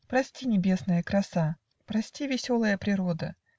Прости, небесная краса, Прости, веселая природа